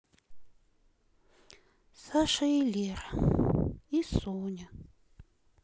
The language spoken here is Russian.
саша и лера и соня